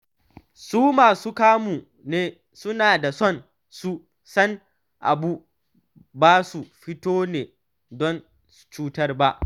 Su masu kamu ne, suna da son su san abu... ba su fito ne don su cutar ba.